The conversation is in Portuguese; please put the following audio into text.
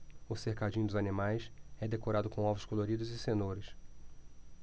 o cercadinho dos animais é decorado com ovos coloridos e cenouras